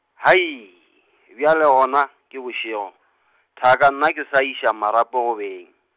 haai, bjale gona ke bošego, thaka nna ke sa iša marapo go beng.